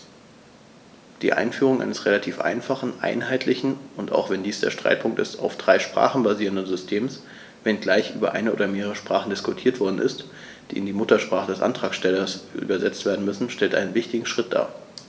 Die Einführung eines relativ einfachen, einheitlichen und - auch wenn dies der Streitpunkt ist - auf drei Sprachen basierenden Systems, wenngleich über eine oder mehrere Sprachen diskutiert worden ist, die in die Muttersprache des Antragstellers übersetzt werden würden, stellt einen wichtigen Schritt dar.